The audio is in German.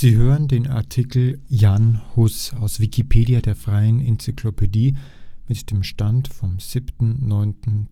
hören den Artikel Jan Hus, aus Wikipedia, der freien Enzyklopädie. Mit dem Stand vom Der